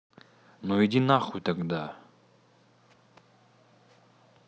ну иди нахуй тогда